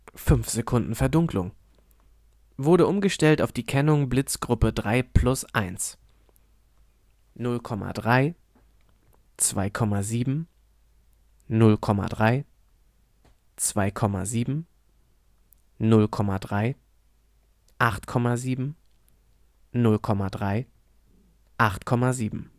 fünf Sekunden Verdunklung) wurde umgestellt auf die Kennung Blitzgruppe 3+1 (0,3 - (2,7) -0,3 - (2,7) -0,3 - (8,7) -0,3 - (8,7